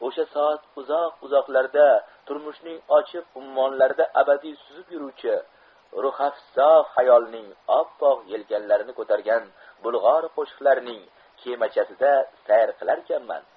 o'sha soat uzoq uzoqlarda turmushning ochiq ummonlarida abadiy suzib yuruvchi ruhafzo hayolning oppoq yelkanlarini ko'targan bulg'or qo'shiqlarining kemachasida sayr qilarkanman